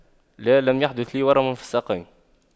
لا لم يحدث لي ورم في الساقين